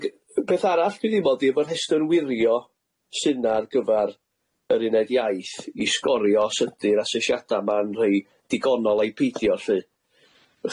Ag yy peth arall dwi ddim oddi efo'r rhestr wirio sy'n ar gyfar yr uned iaith i sgorio syndi'r asesiada ma'n rhoi digonol a'i peidio'r lly.